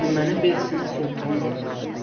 nimani bersin sulton